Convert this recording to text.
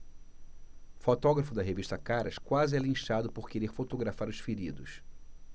fotógrafo da revista caras quase é linchado por querer fotografar os feridos